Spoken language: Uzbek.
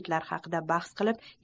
kitlar haqida bahs qilib